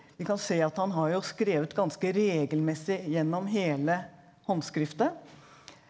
vi kan se at han har jo skrevet ganske regelmessig gjennom hele håndskriftet.